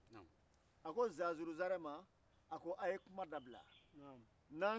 nimɔgɔmusoni dɔw cogo fɔsitɛ olu la denw musomani dɔw